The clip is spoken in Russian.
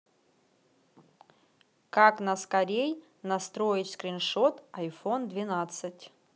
как на скорей настроить скриншот айфон двенадцать